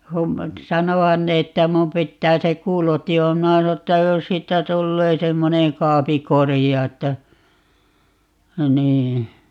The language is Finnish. kun sanoihan ne että minun pitää se -- minä sanoin että jos siitä tulee semmoinen kaapin korea että niin